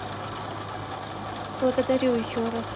благодарю еще раз